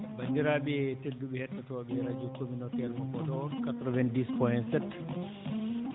banndiraaɓe tedduɓe hettotooɓe radio communautaire mo Podor 90 POINT 7